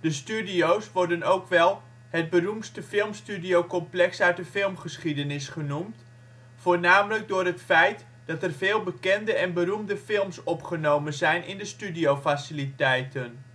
De studio 's worden ook wel " het beroemdste filmstudiocomplex uit de filmgeschiedenis " genoemd, voornamelijk door het feit dat er veel bekende en beroemde films opgenomen zijn in de studiofaciliteiten